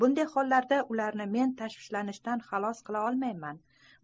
bunday hollarda ularni men tashvishlanishdan xalos qila olmayman